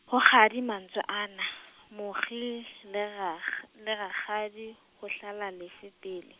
ho kgadi mantswe ana, mokgi le rakg-, le rakgadi, ho hlaha lefe pele?